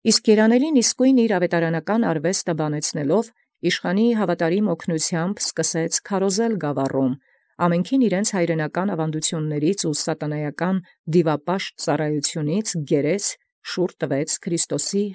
Իսկ երանելւոյն վաղվաղակի զաւետարանական արուեստն ի մէջ առեալ, ձեռն արկանէր զգաւառովն հանդերձ միամիտ սատարութեամբ իշխանին. գերեալ զամենեսեան ի հայրենեաց աւանդելոց, և ի սատանայական դիւապաշտ սպասաւորութենէն՝ ի հնազանդութիւն Քրիստոսի։